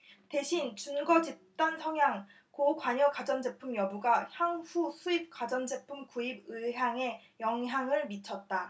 대신 준거집단 성향 고관여가전제품 여부가 향후수입 가전제품 구입 의향에 영향을 미쳤다